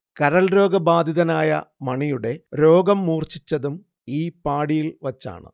കരൾ രോഗബാധിതനായ മണിയുടെ രോഗം മൂർച്ഛിച്ചതും ഈ പാഡിയിൽ വച്ചാണ്